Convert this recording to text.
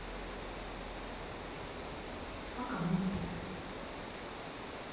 по кому